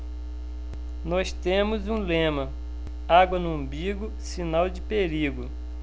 nós temos um lema água no umbigo sinal de perigo